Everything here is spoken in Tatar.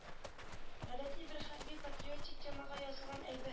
Гадәти бер хәрби-патриотик темага язылган әйб